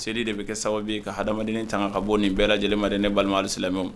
Seli de bɛ kɛ sababu ye ka hadamaden tanka ka bɔ nin bɛɛ lajɛlen ma , ne balima alisilamɛw.